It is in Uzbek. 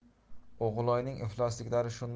o'g'iloyning iflosliklari shunda